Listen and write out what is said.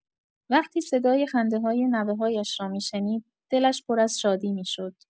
وقتی صدای خنده‌های نوه‌هایش را می‌شنید، دلش پر از شادی می‌شد.